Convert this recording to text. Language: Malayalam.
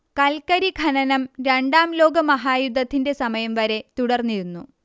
കൽക്കരി ഖനനം രണ്ടാം ലോകമഹായുദ്ധത്തിന്റെ സമയം വരെ തുടർന്നിരുന്നു